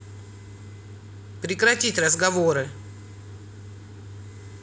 прекратить разговоры